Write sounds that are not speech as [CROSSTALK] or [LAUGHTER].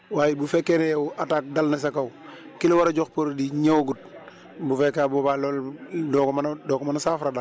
waaye bu fekkee ne yow attaque dal na sa kaw [BREATH] ki la war a jox produit ñëwagut bu fekkee * loolu doo ko mën a doo ko mën a saafara daal